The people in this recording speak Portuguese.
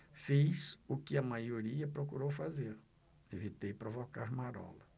fiz o que a maioria procurou fazer evitei provocar marola